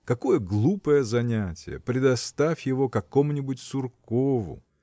– Какое глупое занятие: предоставь его какому-нибудь Суркову.